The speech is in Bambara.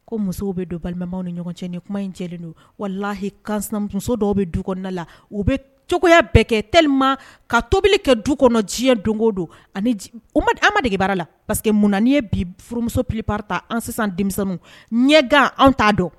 Ko musow bɛ don balimaw ni ɲɔgɔn cɛ ni kuma in cɛlen don wala lahimuso dɔw bɛ du kɔnɔna la u bɛ cogoyaya bɛɛ kɛ teeli ka tobili kɛ du kɔnɔ diɲɛ don o don ani an ma degege baara la parce que mun na'i ye bi furumuso ppprata an sisan denmisɛnnin ɲɛga anw t'a dɔn